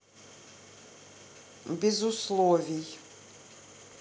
без условий